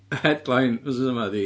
Headline, wsos yma ydi...